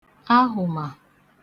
ahụ̀ma